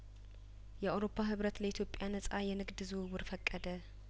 የአውሮፓ ህብረት ለኢትዮጵያ ነጻ የንግድ ዝውውር ፈቀደ